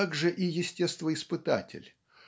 также и естествоиспытатель.